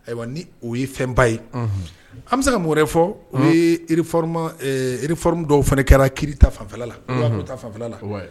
Ayiwa ni o ye fɛnba ye an bɛ se ka mori wɛrɛ fɔ u ye yirifrrin dɔw fana kɛra kita fanla lata fanfɛla la